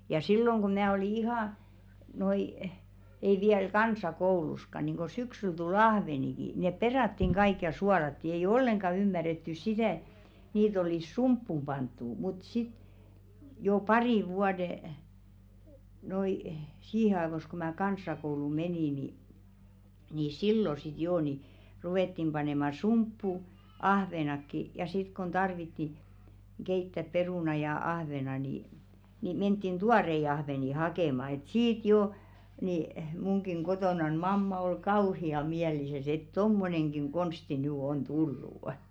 ja silloin kun minä olin ihan noin ei vielä kansakoulussakaan niin kuin syksyllä tuli ahveniakin ne perattiin kaikki ja suolattiin ei ollenkaan ymmärretty sitä ja niitä olisi sumppuun pantu mutta sitten jo parin vuoden noin siihen ajoissa kun minä kansakouluun menin niin niin silloin sitten jo niin ruvettiin panemaan sumppuun ahvenetkin ja sitten kun tarvittiin keittää perunaa ja ahventa niin niin mentiin tuoreita ahvenia hakemaan että siitä jo niin minunkin kotonani mamma oli kauhean mielissään että tuommoinenkin konsti nyt on tullut